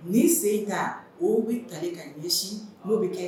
Ni sen ta o bɛ kalan ka ɲɛsin'o bɛ kɛ